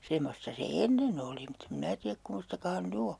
semmoista se ennen oli mutta en minä tiedä kummoista hän nyt on